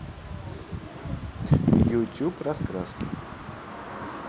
ютуб раскраски